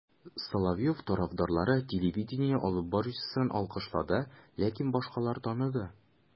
Соловьев тарафдарлары телевидение алып баручысын алкышлады, ләкин башкалар таныды: